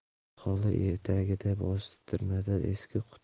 hovli etagidagi bostirmada